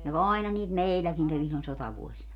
no aina niitä meilläkin kävi silloin sotavuosina